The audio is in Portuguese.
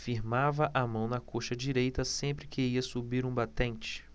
firmava a mão na coxa direita sempre que ia subir um batente